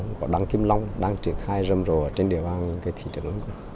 của đặng kim long đang triển khai rầm rộ trên địa bàn thị trấn